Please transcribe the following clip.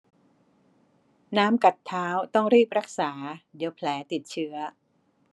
น้ำกัดเท้าต้องรีบรักษาเดี๋ยวแผลติดเชื้อ